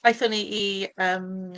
Aethon ni i, yym...